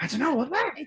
I don't know oedd e?